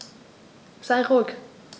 Sei ruhig.